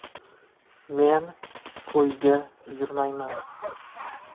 men to'yga yurmayman